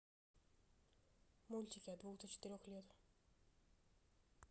мультики от двух до четырех лет